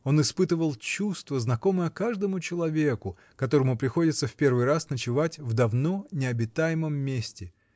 он испытывал чувство, знакомое каждому человеку, которому приходится в первый раз ночевать в давно необитаемом месте